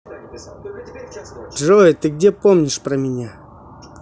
джой ты где помнишь про меня